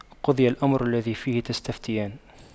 قُضِيَ الأَمرُ الَّذِي فِيهِ تَستَفِتيَانِ